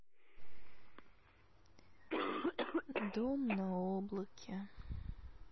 дом на облаке